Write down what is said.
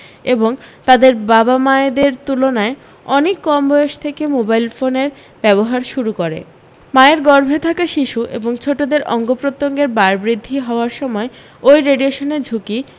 এবং তাদের বাবামায়েদের তুলনায় অনেক কম বয়স থেকে মোবাইল ফোনের ব্যবহার শুরু করে মায়ের গর্ভে থাকা শিশু এবং ছোটদের অঙ্গপ্রত্যঙ্গের বাড়বৃদ্ধি হওয়ার সময় ওই রেডিয়েশনের ঝুঁকি